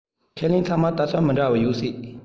ཁས ལེན ཚང མར ལྟ ཚུལ མི འདྲ བ ཡོད སྲིད